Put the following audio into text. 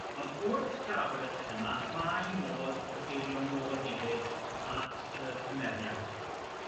Ond wrth drafod y thema mae modd cyfeirio'n nôl hefyd at y cymeriad.